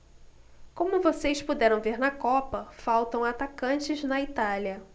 como vocês puderam ver na copa faltam atacantes na itália